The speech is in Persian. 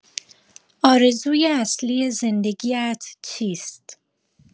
آرزوی اصلی زندگی‌ات چیست؟